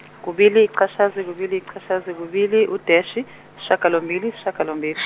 kubili yichashaza kubili yichashaza kubili u- dash, shagalombili shagalombili.